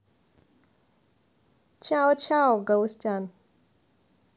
чао чао галустян